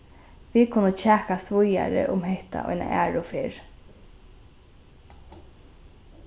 vit kunnu kjakast víðari um hetta eina aðra ferð